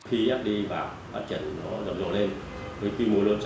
khi ép đi vào phát triển nó rầm rộ lên với quy mô lớn